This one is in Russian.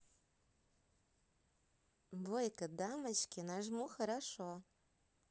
бойко дамочки нажму хорошо